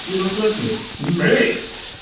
Do you not love me? Mate!